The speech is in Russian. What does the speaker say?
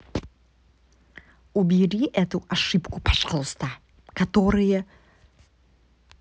убери эту ошибку пожалуйста которые